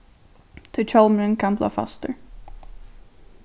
tí hjálmurin kann blíva fastur